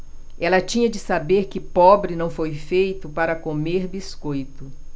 ela tinha de saber que pobre não foi feito para comer biscoito